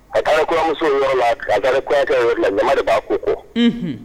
A ye ala kuramuso yɔrɔ la k ka garirekɛ yɔrɔ la dama b'a ko kɔ